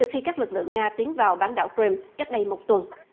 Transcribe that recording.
từ khi các lực lượng nga tiến vào bán đảo cờ rim cách đây một tuần